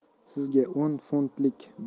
sizga o'n funtlik